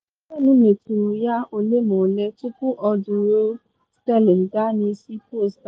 Sane metụrụ ya ole ma ole tupu o duru Sterling gaa n’isi post ahụ.